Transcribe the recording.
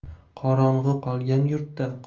qorong'i qolgan yurtda